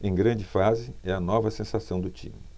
em grande fase é a nova sensação do time